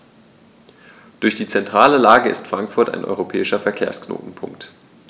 Durch die zentrale Lage ist Frankfurt ein europäischer Verkehrsknotenpunkt.